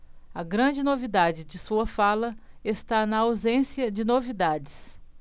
a grande novidade de sua fala está na ausência de novidades